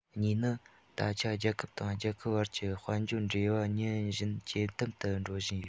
གཉིས ནི ད ཆ རྒྱལ ཁབ དང རྒྱལ ཁབ བར གྱི དཔལ འབྱོར འབྲེལ བ ཉིན བཞིན ཇེ དམ དུ འགྲོ བཞིན ཡོད